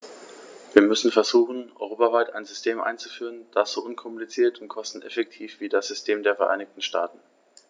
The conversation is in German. Wir müssen versuchen, europaweit ein System einzuführen, das so unkompliziert und kosteneffektiv ist wie das System der Vereinigten Staaten.